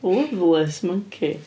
Loveless monkey?